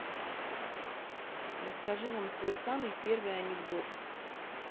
расскажи нам свой самый первый анекдот